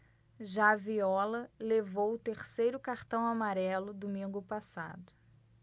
já viola levou o terceiro cartão amarelo domingo passado